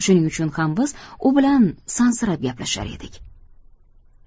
shuning uchun ham biz u bilan sansirab gaplashar edik